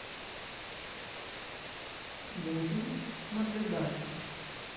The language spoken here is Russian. будем наблюдать